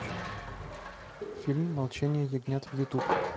фильм молчание ягнят в ютуб